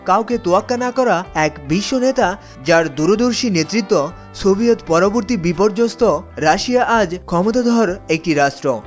কাউকে তোয়াক্কা না করা এক বিশ্বনেতা যার দূরদর্শী নেতৃত্ব সোভিয়েত পরবর্তী বিপর্যস্ত রাশিয়া আজ ক্ষমতাধর একটি রাষ্ট্র